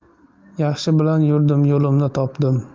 yaxshi bilan yurdim yo'limni topdim